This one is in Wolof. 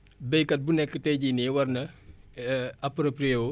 béykat bu nekk tey jii nii war na approprier wu